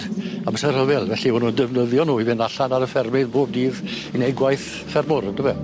amser rhyfel, felly o'n nw'n defnyddio nw i fynd allan ar y ffermydd bob dydd i neud gwaith ffermwr yndyfe?